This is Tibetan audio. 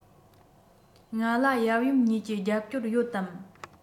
ང ལ ཡབ ཡུམ གཉིས ཀྱི རྒྱབ སྐྱོར ཡོད དམ